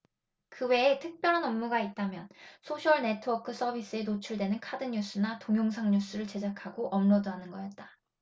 그 외에 특별한 업무가 있다면 소셜네트워크서비스에 노출되는 카드뉴스나 동영상뉴스를 제작하고 업로드하는 거였다